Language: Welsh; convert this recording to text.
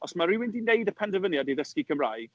Os ma' rywun 'di wneud y penderfyniad i ddysgu Cymraeg.